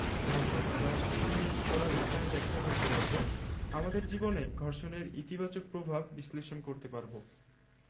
ঘর্ষণ হ্রাস বৃদ্ধি করার উপায় ব্যাখ্যা করতে পারব আমাদের জীবনে ঘর্ষণের ইতিবাচক প্রভাব বিশ্লেষণ করতে পারব